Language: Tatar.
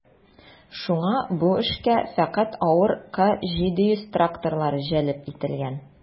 Шуңа бу эшкә фәкать авыр К-700 тракторлары җәлеп ителгән.